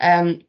Yym.